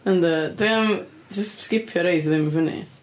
Yndw, dwi am jyst sgipio rhai sy ddim yn funny.